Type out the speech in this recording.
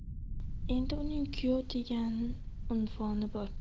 endi uning kuyov degan unvoni bor